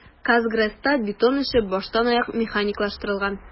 "казгрэс"та бетон эше баштанаяк механикалаштырылган.